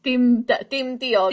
Dim dy- dim diog...